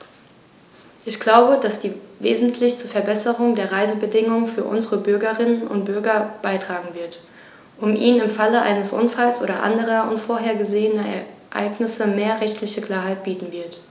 Ich glaube, dass sie wesentlich zur Verbesserung der Reisebedingungen für unsere Bürgerinnen und Bürger beitragen wird, und ihnen im Falle eines Unfalls oder anderer unvorhergesehener Ereignisse mehr rechtliche Klarheit bieten wird.